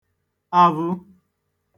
avụ